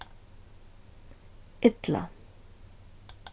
illa